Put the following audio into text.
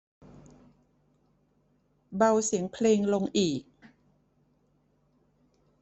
เบาเสียงเพลงลงอีก